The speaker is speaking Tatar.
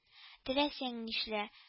Теләсәң нишлә: